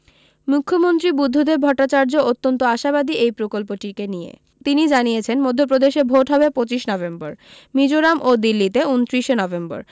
মুখ্যমন্ত্রী বুদ্ধদেব ভট্টাচার্য অত্যন্ত আশাবাদী এই প্রকল্পটিকে নিয়ে তিনি জানিয়েছেন মধ্যপ্রদেশে ভোট হবে পঁচিশ নভেম্বর মিজোরাম ও দিল্লীতে উনত্রিশে নভেম্বর